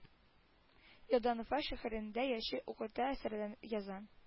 Елдан уфа шәһәрендә яши укыта әсәрләр яза